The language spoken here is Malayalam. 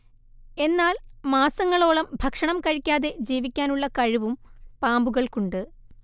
എന്നാൽ മാസങ്ങളോളം ഭക്ഷണം കഴിക്കാതെ ജീവിക്കാനുള്ള കഴിവും പാമ്പുകൾക്കുണ്ട്